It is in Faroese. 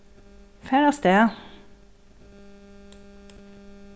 far avstað